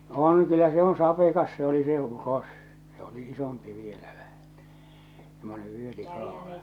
no on kyllä se on sapekas se oli se uros se oli isompi vielä vähän semmoinen